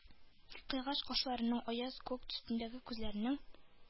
Кыйгач кашларының, аяз күк төсендәге күзләренең,